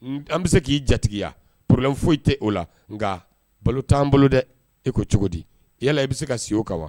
An bɛ se k'i jatigiya porola foyi tɛ o la nka balo t'an bolo dɛ e ko cogo di yala i bɛ se ka si o kan wa